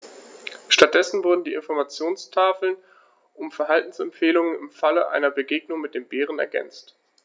Stattdessen wurden die Informationstafeln um Verhaltensempfehlungen im Falle einer Begegnung mit dem Bären ergänzt.